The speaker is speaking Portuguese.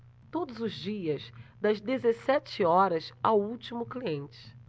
todos os dias das dezessete horas ao último cliente